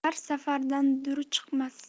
har sadafdan dur chiqmas